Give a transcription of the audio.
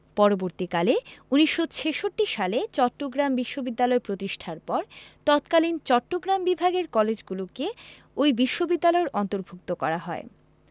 পরবর্তীকালে ১৯৬৬ সালে চট্টগ্রাম বিশ্ববিদ্যালয় প্রতিষ্ঠার পর তৎকালীন চট্টগ্রাম বিভাগের কলেজগুলিকে ওই বিশ্ববিদ্যালয়ের অন্তর্ভুক্ত করা হয়